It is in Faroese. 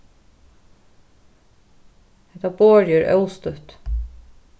hetta borðið er óstútt